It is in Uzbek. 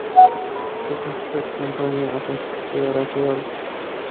bu haqda kompaniya asoschisi rafael